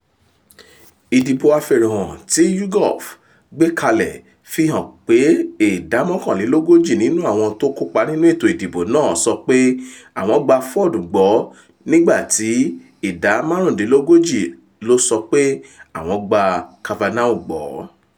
Ìdìbò afèròhàn tí YouGov gbé kalẹ̀ fi hàn pé ìdá mọ́kànlelógoji nínú àwọn tó kópa nínú ètò ìdìbò náà sọ pé àwọn gba Ford gbọ́ nígbà tí ìdá márùndínlógójì ló sọ pé àwọn gba Kavanaugh gbọ́.